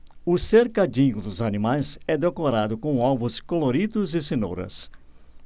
o cercadinho dos animais é decorado com ovos coloridos e cenouras